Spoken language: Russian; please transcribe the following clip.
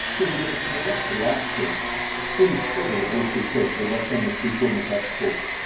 Все ведь это смела реакция, уничтожила большую часть драгоценных культурных ростков.